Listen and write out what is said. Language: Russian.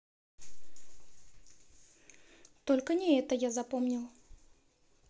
только не это я запомнил